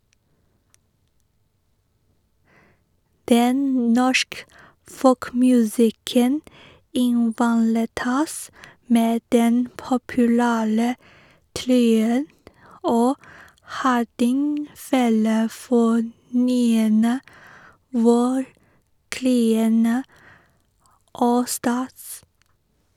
Den norske folkemusikken ivaretas med den populære trioen og hardingfelefornyerne Valkyrien Allstars.